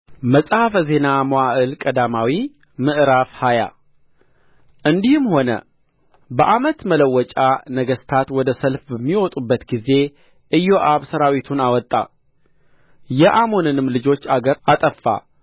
መጽሐፈ ዜና መዋዕል ቀዳማዊ ምዕራፍ ሃያ እንዲህም ሆነ በዓመት መለወጫ ነገሥታት ወደ ሰልፍ በሚወጡበት ጊዜ ኢዮአብ ሠራዊቱን አወጣ የአሞንንም ልጆች አገር አጠፋ